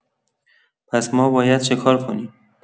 پس ما باید چه‌کار کنیم؟